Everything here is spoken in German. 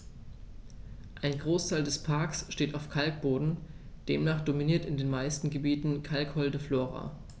Ein Großteil des Parks steht auf Kalkboden, demnach dominiert in den meisten Gebieten kalkholde Flora.